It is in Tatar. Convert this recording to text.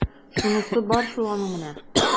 Шунысы бар шул аның менә! ..